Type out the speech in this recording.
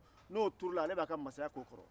n'o turula ale b'a ka masaya k'o kɔrɔ